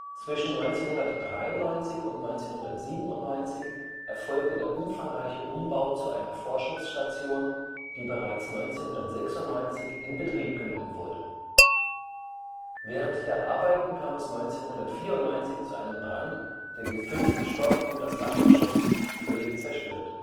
Zwischen 1993 und 1997 erfolgte der umfangreiche Umbau zu einer Forschungsstation, die bereits 1996 in Betrieb genommen wurde. Während der Arbeiten kam es 1994 zu einem Brand, der den fünften Stock und das Dachgeschoss völlig zerstörte